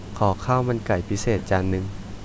ขอข้าวมันไก่พิเศษจานนึง